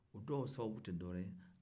dɔw sababu tɛ dɔwɛrɛ ye